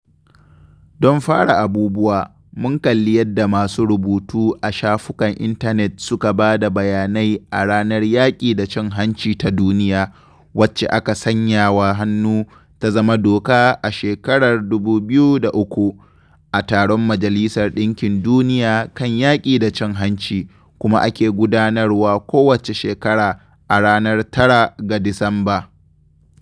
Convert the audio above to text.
Don fara abubuwa, mun kalli yadda masu rubutu a shafukan intanet suka bada bayanai a Ranar Yaƙi da Cin Hanci ta Duniya, wacce aka sanyawa hannu ta zama doka a shekarar 2003, a taron Majalisar Ɗinkin Duniya kan Yaƙi da Cin Hanci, kuma ake gudanarwa kowace shekara a ranar 9 ga Disamba.